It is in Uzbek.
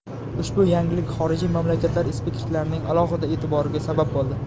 ushbu yangilik xorijiy mamlakatlar ekspertlarining alohida e'tiboriga sabab bo'ldi